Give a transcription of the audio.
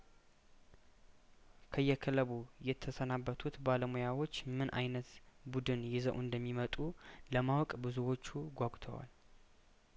ከየክለቡ የተሰናበቱት ባለሙያዎች ምን አይነት ቡድን ይዘው እንደሚመጡ ለማወቅ ብዙዎቹ ጓጉተዋል